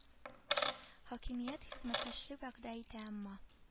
Хакимият хезмәттәшлек вәгъдә итә әмма